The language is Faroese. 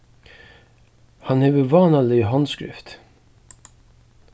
hann hevur vánaliga handskrift